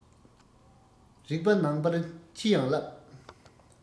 རིག པ ནང པར འཆི ཡང བསླབ